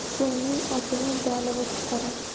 ko'lning otini balig'i chiqarar